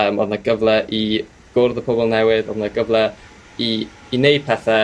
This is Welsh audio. yym o'dd 'na gyfle i gwrdd â pobol newydd o'dd 'na gyfle i i neud pethe